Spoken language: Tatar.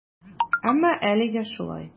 Әмма әлегә шулай.